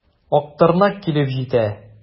Актырнак килеп җитә.